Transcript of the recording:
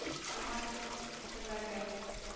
Миңа төбәлгән